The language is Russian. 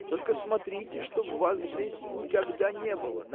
Только смотрите, чтоб вас здесь никогда не было